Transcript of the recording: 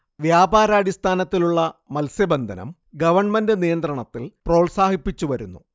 വ്യാപാരാടിസ്ഥാനത്തിലുള്ള മത്സ്യബന്ധനം ഗണ്മെന്റു നിയന്ത്രണത്തിൽ പ്രോത്സാഹിപ്പിച്ചു വരുന്നു